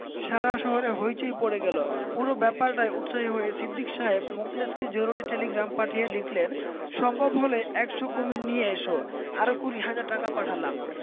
সারা শহরে হৈ চৈ পড়ে গেল পুরো ব্যাপারটায় উৎসাহী হয়ে সিদ্দিক সাহেব মুখলেসকে জরুরী টেলিগ্রাম পাঠিয়ে লিখলেন সম্ভব হলে একশ কুমীর নিয়ে এসো আরো কুড়ি হাজার টাকা পাঠালাম